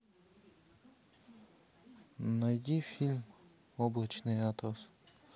найди фильм облачный атлас